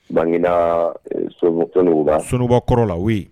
Banina sotba souruba kɔrɔ la we